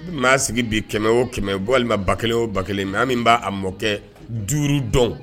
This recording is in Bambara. N m' sigi bi kɛmɛ o kɛmɛ walima ba kelen o ba kelen mɛ an min b'a a mɔkɛ duuru dɔn